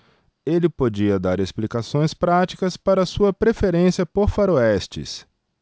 ele podia dar explicações práticas para sua preferência por faroestes